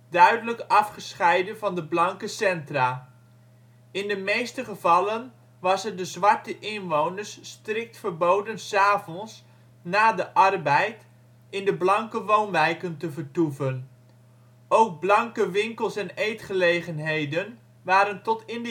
duidelijk afgescheiden van de blanke centra. In de meeste gevallen was het de zwarte inwoners strikt verboden ' s avonds, na de arbeid, in de blanke woonwijken te vertoeven. Ook blanke winkels en eetgelegenheden waren tot in